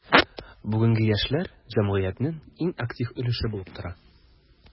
Бүгенге яшьләр – җәмгыятьнең иң актив өлеше булып тора.